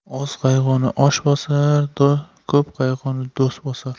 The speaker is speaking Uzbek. oz qayg'uni osh bosar ko'p qayg'uni do'st bosar